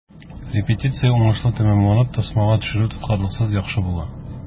Репетиция уңышлы тәмамланып, тасмага төшерү тоткарлыксыз яхшы була.